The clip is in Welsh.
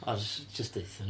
O jyst jyst deutha ni.